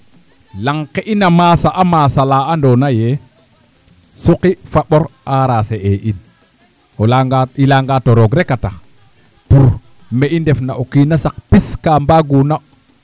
ndaa koy yit laŋ ke in a maasa o maas olaa andoona yee it suqi fa ɓor enranger e in i layanga to roog rek a tax pour me i ndefna o kiiin a saq pis kaa mbaaguuna